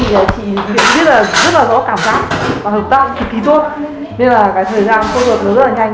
chị này chị ấy rất rõ cảm giác hợp tác cực kì tốt nên thời gian phẫu thuật diễn ra rất nhanh